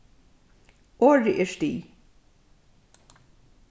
orðið er stig